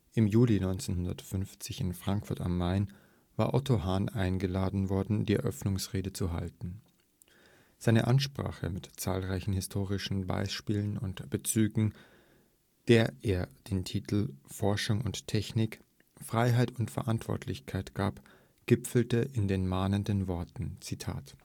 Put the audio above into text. im Juli 1950 in Frankfurt am Main war Otto Hahn eingeladen worden, die Eröffnungsrede zu halten. Seine Ansprache mit zahlreichen historischen Beispielen und Bezügen, der er den Titel „ Forschung und Technik – Freiheit und Verantwortlichkeit “gab, gipfelte in den mahnenden Worten: „ Das